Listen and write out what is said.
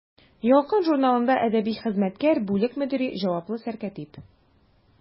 «ялкын» журналында әдәби хезмәткәр, бүлек мөдире, җаваплы сәркәтиб.